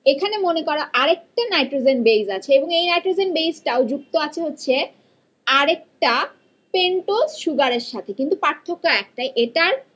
এখানে মনে করো আরেকটা নাইট্রোজেন বেস আছে এই নাইট্রোজেন বেস যুক্ত আছে হচ্ছে আরেকটা পেন্টোজ সুগারের সাথে কিন্তু পার্থক্য একটাই এটার